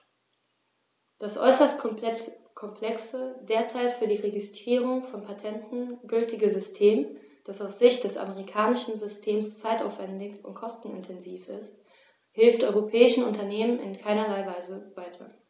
Das äußerst komplexe, derzeit für die Registrierung von Patenten gültige System, das aus Sicht des amerikanischen Systems zeitaufwändig und kostenintensiv ist, hilft europäischen Unternehmern in keinerlei Weise weiter.